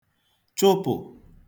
chụpụ̀